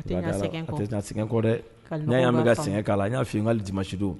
Tɛ sɛgɛn kɔ dɛ n'a y'a mɛn ka sɛgɛn k'a la n y'a fɔ n ka' di masido